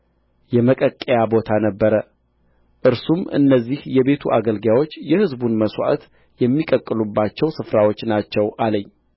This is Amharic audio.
የመቀቀያ ቦታ ነበረ እርሱም እነዚህ የቤቱ አገልጋዮች የሕዝቡን መሥዋዕት የሚቀቅሉባቸው ስፍራዎች ናቸው አለኝ